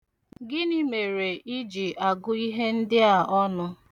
Gịnị mere ị ji agụ ihe ndị a ọnụ?